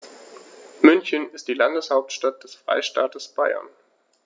München ist die Landeshauptstadt des Freistaates Bayern.